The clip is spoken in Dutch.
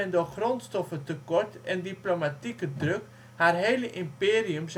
door grondstoffentekort en diplomatieke druk haar hele Imperium